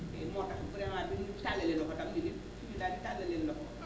moo tax vraiment biñ ñu tallalee loxo itam ñunit ñu daal di tallal leen loxo